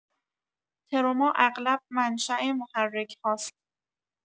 تروما اغلب منشا محرک‌هاست.